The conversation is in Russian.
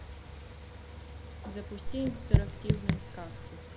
запусти интерактивные сказки